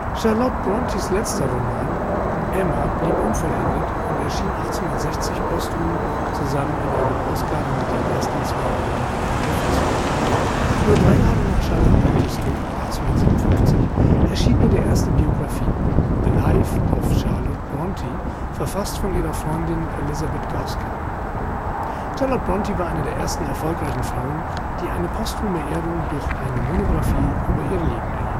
Charlotte Brontës letzter Roman Emma blieb unvollendet und erschien 1860 postum zusammen in einer Ausgabe mit ihrem Erstlingswerk The Professor. Nur drei Jahre nach Charlotte Brontës Tod (1857) erschien ihre erste Biographie The Life of Charlotte Brontë, verfasst von ihrer Freundin Elizabeth Gaskell. Charlotte Brontë war eine der ersten erfolgreichen Frauen, die eine postume Ehrung durch eine Monographie über ihr Leben